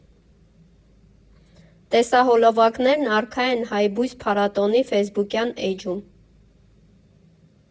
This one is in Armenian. Տեսահոլովակներն առկա են Հայբույս փառատոնի ֆեյսբուքյան էջում։